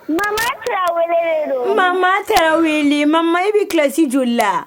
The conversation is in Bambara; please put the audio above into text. Mama Tarawele de don Mama Tarawele Mama e be classe joli la